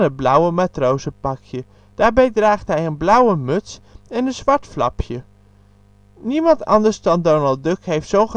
blauwe matrozenpakje. Daarbij draagt hij een blauwe muts met een zwart flapje. Niemand anders dan Donald Duck heeft zo